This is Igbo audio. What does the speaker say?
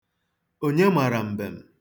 Onye mara mbem?